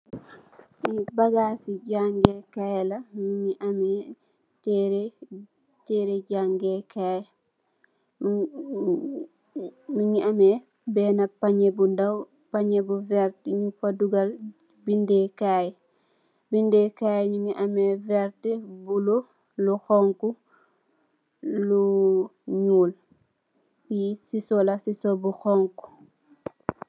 Li bagas ci jàngeekaay la. Mungi ame tereh jàngeekaay la, mungi ame bena panyee bu ndaw. Panyee bi nyung fa dogal bind ndehkaay. Bind ndeh kaay yu bulo, yu xonxo, yu ñuul. Fi scissor la scissor bu xonxo.